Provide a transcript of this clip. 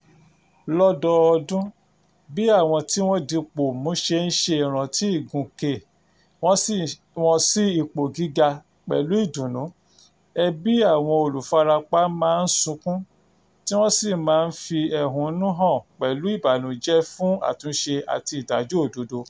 Lọ́dọọdún, bí àwọn tí wọ́n dipò mú ṣe ń ṣe ìrántí ìgùnkè wọn sí ipò gíga pẹ̀lú ìdùnnú, ẹbí àwọn olùfarapa máa ń sunkún, tí wọ́n sì máa ń fi ẹhónú hàn pẹ̀lú ìbànújẹ́ fún àtúnṣe àti ìdájọ́ òdodo.